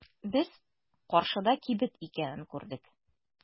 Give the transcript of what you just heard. Без каршыда кибет икәнен күрдек.